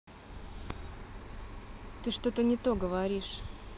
ты что то не то говоришь